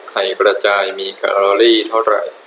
ไข่กระจายมีแคลอรี่เท่าไหร่